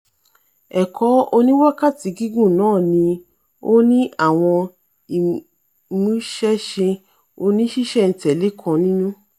ẹ̀kọ oni wákàtí gígùn ́náà ní oni àwọn ìmùṣẹ́ṣe oníṣíṣẹ̀-n-tẹ̀lé kan nínú.